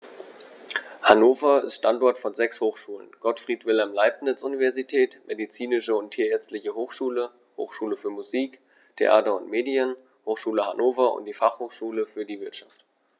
Hannover ist Standort von sechs Hochschulen: Gottfried Wilhelm Leibniz Universität, Medizinische und Tierärztliche Hochschule, Hochschule für Musik, Theater und Medien, Hochschule Hannover und die Fachhochschule für die Wirtschaft.